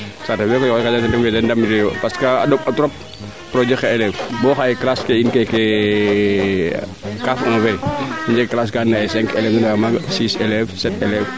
saate fee koy owey ŋanja rew we den de mbinuyo parce que a ɗom atrop pour o jeg xa eleve bo xaye classe ke in keeke kaf un fee i njega classe kaa ando naye ay quatre eleve na ndefa maaga cinq eleve six eleve sept eleve